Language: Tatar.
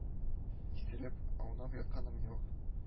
Исереп аунап ятканым юк